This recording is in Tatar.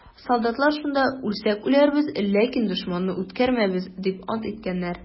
Солдатлар шунда: «Үлсәк үләрбез, ләкин дошманны үткәрмәбез!» - дип ант иткәннәр.